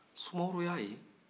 sumaworo y'a ye